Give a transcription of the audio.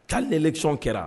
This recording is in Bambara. Ta lerec kɛra